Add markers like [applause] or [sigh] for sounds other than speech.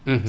[hesitation] [hesitation]